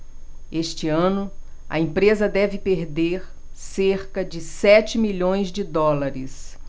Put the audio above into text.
este ano a empresa deve perder cerca de sete milhões de dólares